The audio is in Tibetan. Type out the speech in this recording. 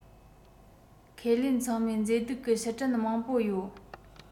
ཁས ལེན ཚང མས མཛེས སྡུག གི ཕྱིར དྲན མང པོ ཡོད